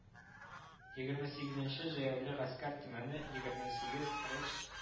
Егерме сигезенче җәяүле гаскәр түмәне егерме сигез рус